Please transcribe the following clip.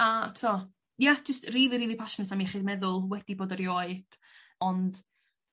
A 't'o' ia jyst rili rili passionate am iechyd meddwl wedi bod erioed ond